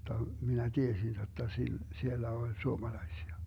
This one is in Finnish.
jotta minä tiesin jotta - siellä oli suomalaisia